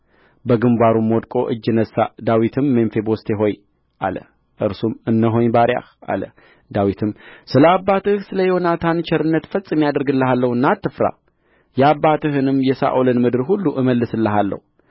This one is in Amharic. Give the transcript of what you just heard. በግምባሩም ወድቆ እጅ ነሣ ዳዊትም ሜምፊቦስቴ ሆይ አለ እርሱም እነሆኝ ባሪያህ አለ ዳዊትም ስለ አባትህ ስለ ዮናታን ቸርነት ፈጽሜ አደርግልሃለሁና አትፍራ የአባትህንም የሳኦልን ምድር ሁሉ እመልስልሃለሁ